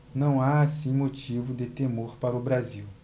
não há assim motivo de temor para o brasil